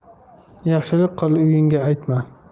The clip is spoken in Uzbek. yaxshilik qil uyingga aytma